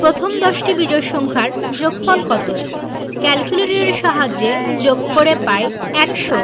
প্রথম দশটি বিজোড় সংখ্যার যোগফল কত ক্যালকুলেটরের সাহায্যে যোগফল পাই ১০০